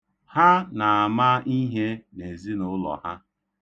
Ha na-ama ihe n'ezinụụlọ ha.